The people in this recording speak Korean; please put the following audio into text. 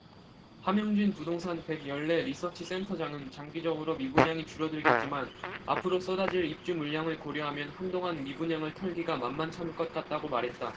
함영진 부동산 백 열 네 리서치센터장은 장기적으로는 미분양이 줄어들겠지만 앞으로 쏟아질 입주물량을 고려하면 한동안 미분양을 털기가 만만찮을 것 같다고 말했다